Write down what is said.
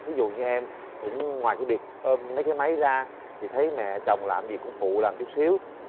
thí dụ như em cũng ngoài cái việc ôm mấy cái máy ra thì thấy mẹ chồng làm cái gì cũng phụ làm chút xíu